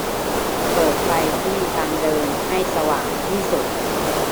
เปิดไฟที่ทางเดินให้สว่างที่สุด